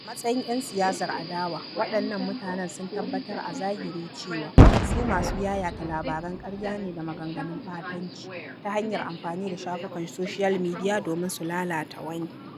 A matsayin 'yan siyasar adawa, waɗannan mutanen sun tabbatar a zahiri cewa su masu yayata labaran ƙarya ne da maganganun ɓatanci, ta hanyar amfani da shafukan soshiyal midiya domin su lalata wani.